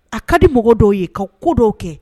A kadi mɔgɔ dɔw ye ka ko dɔw kɛ